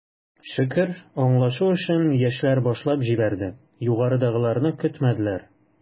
Шөкер, аңлашу эшен, яшьләр башлап җибәрде, югарыдагыларны көтмәделәр.